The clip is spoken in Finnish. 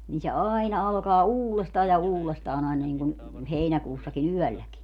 niin se aina alkaa uudestaan ja uudestaan aina niin kuin heinäkuussakin yölläkin